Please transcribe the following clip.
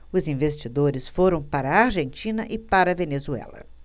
os investidores foram para a argentina e para a venezuela